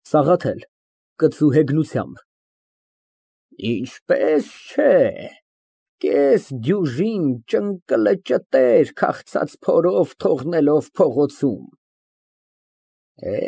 ՍԱՂԱԹԵԼ ֊ (Կծու հեգնությամբ) Ինչպես չէ, կես դյուժին ճընկլը֊ճտեր քաղցած փորով թողնելով փողոցում։